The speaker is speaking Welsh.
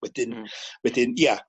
Wedyn. Hmm. Wedyn ia